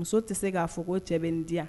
Muso tɛ se k'a fɔ ko cɛ diya